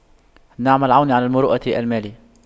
نعم العون على المروءة المال